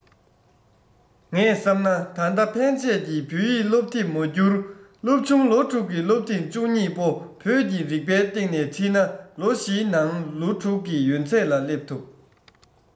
ངས བསམ ན ད སྔ ཕན ཆད ཀྱི བོད ཡིག སློབ དེབ མ འགྱུར སློབ ཆུང ལོ དྲུག གི སློབ དེབ བཅུ གཉིས པོ བོད ཀྱི རིག པའི སྟེང ནས ཁྲིད ན ལོ བཞིའི ནང ལོ དྲུག གི ཡོན ཚད ལ སླེབས ཐུབ